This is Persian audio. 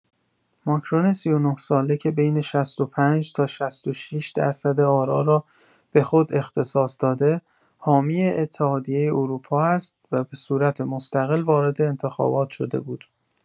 ماکرون ۳۹ ساله که بین ۶۵ تا ۶۶ درصد آرا را به خود اختصاص داده، حامی اتحادیه اروپا است و به صورت مستقل وارد انتخابات شده بود.